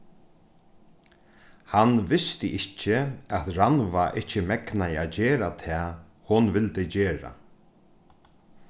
hann visti ikki at rannvá ikki megnaði at gera tað hon vildi gera